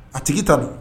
A tigi ta don